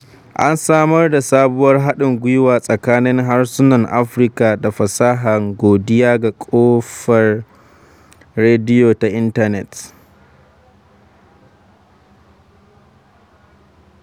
An samar da sabuwar haɗin gwiwa tsakanin harsunan Afirka da fasaha, godiya ga kafar rediyo ta intanet.